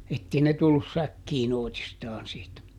että ei ne tullut säkkiin oitistaan siitä